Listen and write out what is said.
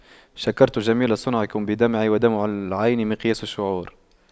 شكرت جميل صنعكم بدمعي ودمع العين مقياس الشعور